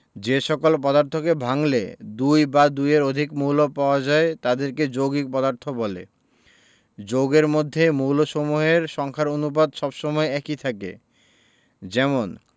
যে সকল পদার্থকে ভাঙলে দুই বা দুইয়ের অধিক মৌল পাওয়া যায় তাদেরকে যৌগিক পদার্থ বলে যৌগের মধ্যে মৌলসমূহের সংখ্যার অনুপাত সব সময় একই থাকে যেমন